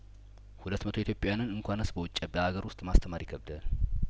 ሁለት መቶ ኢትዮጵያዊያንን እንኳን ስበውጪ በአገር ውስጥ ማስተማር ይከብዳል